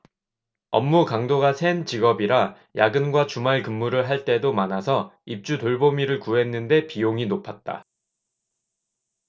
업무 강도가 센 직업이라 야근과 주말근무를 할 때도 많아서 입주돌보미를 구했는데 비용이 높았다